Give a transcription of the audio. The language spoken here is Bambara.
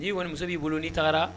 N'i kɔni muso b'i bolo n'i tagara